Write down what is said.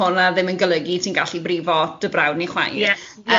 hwnna ddim yn golygu ti'n gallu brifo dy brawd neu chwaer... Ie ie